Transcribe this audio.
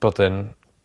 ...bod yn